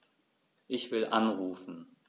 Ich will anrufen.